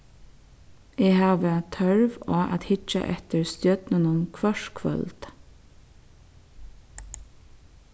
eg havi tørv á at hyggja eftir stjørnunum hvørt kvøld